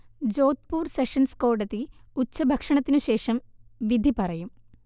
Jodhpur sessions കോടതി ഉച്ചഭക്ഷണത്തിനു ശേഷം വിധി പറയും